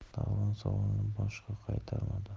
davron savolni boshqa qaytarmadi